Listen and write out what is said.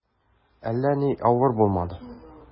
Әллә ни авыр булмады.